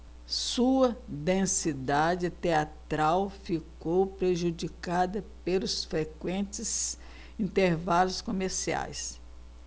sua densidade teatral ficou prejudicada pelos frequentes intervalos comerciais